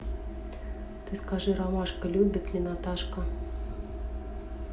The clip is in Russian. ты скажи ромашка любит ли наташка